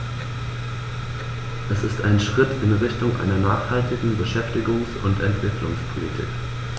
Er ist ein Schritt in Richtung einer nachhaltigen Beschäftigungs- und Entwicklungspolitik.